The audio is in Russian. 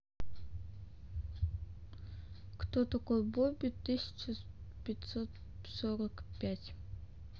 кто такой бобби тысяча пятьсот сорок пять